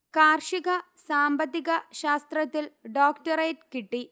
കാർഷിക സാമ്പത്തിക ശാസ്ത്രത്തിൽ ഡോക്ടറേറ്റ് കിട്ടി